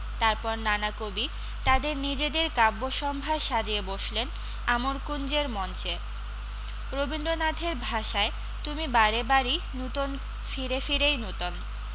তার পর নানা কবি তাদের নিজেদের কাব্য সম্ভার সাজিয়ে বসলেন আমরকূঞ্জের মঞ্চে রবীন্দ্রনাথের ভাষায় তুমি বারে বারই নূতন ফিরে ফিরেই নূতন